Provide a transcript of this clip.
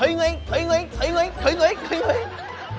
thủy nguyễn thủy nguyễn thủy nguyễn thủy nguyễn thủy nguyễn